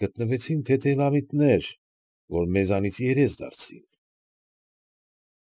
Գտնվեցին թեթևամիտներ, որ մեզնից երես դարձրին։